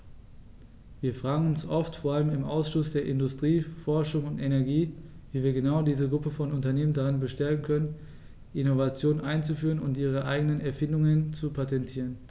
Wir fragen uns oft, vor allem im Ausschuss für Industrie, Forschung und Energie, wie wir genau diese Gruppe von Unternehmen darin bestärken können, Innovationen einzuführen und ihre eigenen Erfindungen zu patentieren.